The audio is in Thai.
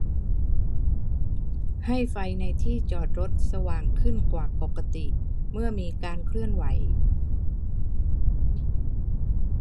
ให้ไฟในที่จอดรถสว่างขึ้นกว่าปกติเมื่อมีการเคลื่อนไหว